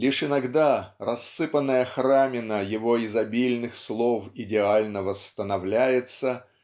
Лишь иногда рассыпанная храмина его изобильных слов идеально восстановляется